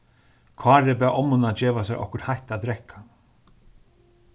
kári bað ommuna geva sær okkurt heitt at drekka